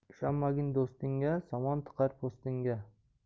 ishonmagin do'stingga somon tiqar po'stingga